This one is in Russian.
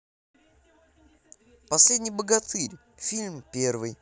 последний богатырь фильм первый